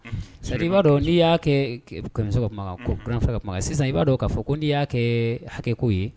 C'est à dire i b'a dɔn ni y'a kɛ grand frère ka kuma kan sisan i b'a dɔn ka fɔ ko n'i y'a kɛ hakɛko ye